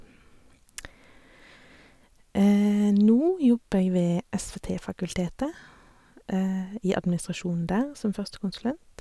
Nå jobber jeg ved SVT-fakultetet, i administrasjonen der, som førstekonsulent.